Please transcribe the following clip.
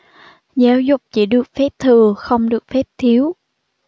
giáo dục chỉ được phép thừa không được phép thiếu